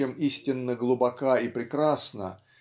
чем истинно глубока и прекрасна